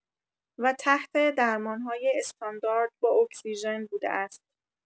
و «تحت درمان‌های استاندارد با اکسیژن» بوده است.